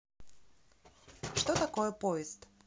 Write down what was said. что такое поезд